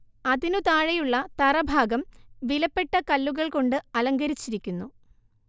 അതിനു താഴെയുള്ള തറ ഭാഗം വിലപ്പെട്ട കല്ലുകൾ കൊണ്ട് അലങ്കരിച്ചിരിക്കുന്നു